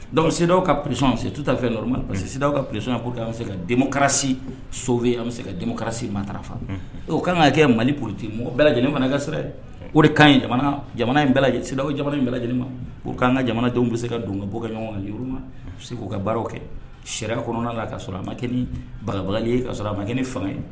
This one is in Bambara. Dɔnku sedaw ka psiɔn sen tu tanfe nɔ parce quesidaw ka presiɔn ko bɛ se ka denkarasi so an bɛ se kasi matarafa ka kan ka kɛ mali purte mɔgɔ bɛɛ lajɛlen ne mana ka siraɛrɛ o de ka kan jamana in bɛɛda jamana in bɛɛ lajɛlen ma' kan ka jamanadenw bɛ se ka don ka bɔ kɛ ɲɔgɔn ma se k'u ka baara kɛ sɛ kɔnɔna la ka sɔrɔ a ma kɛ bagali ka a ma kɛ fanga ye